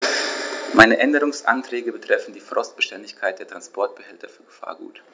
Meine Änderungsanträge betreffen die Frostbeständigkeit der Transportbehälter für Gefahrgut.